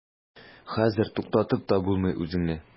Хәзер туктатып та булмый үзеңне.